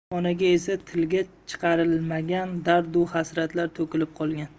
bu xonaga esa tilga chiqarilmagan dardu hasratlar to'kilib qolgan